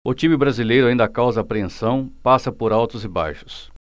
o time brasileiro ainda causa apreensão passa por altos e baixos